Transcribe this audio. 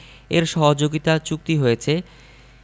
এর সহযোগিতা চুক্তি হয়েছে